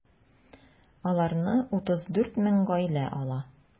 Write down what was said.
Аларны 34 мең гаилә ала.